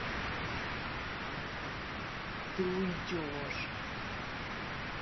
ты уйдешь